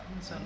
am na solo